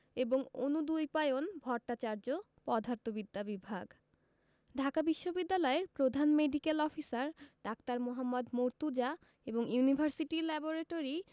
এবং অনুদ্বৈপায়ন ভট্টাচার্য পদার্থবিদ্যা বিভাগ ঢাকা বিশ্ববিদ্যালয়ের প্রধান মেডিক্যাল অফিসার ডা. মোহাম্মদ মর্তুজা এবং ইউনিভার্সিটি ল্যাবরেটরি